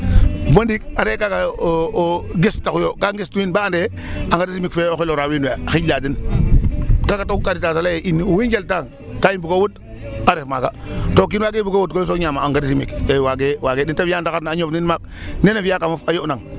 Bo ndiik a ref kaaga o gestooxa ka ngestuwin ba ande engrais chimique fe oxey loraa wiin we a xijlaa den kaaga taxu CARETAS a lay ee wu i njaltaa ka i mbug o wod a ref maaga to o kiin waagee bug o wod koy so ñaamaa engrais chimique waagee, waagee ne ta fi'aa ndaxar ne a ñofnin maak nene fi'aa kamof a yo'nang.